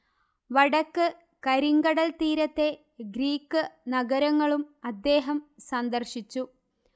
വടക്ക് കരിങ്കടൽ തീരത്തെ ഗ്രീക്ക് നഗരങ്ങളും അദ്ദേഹം സന്ദർശിച്ചു